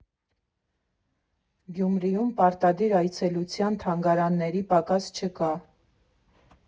Գյումրիում պարտադիր այցելության թանգարանների պակաս չկա։